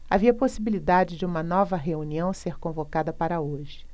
havia possibilidade de uma nova reunião ser convocada para hoje